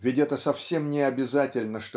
ведь это совсем не обязательно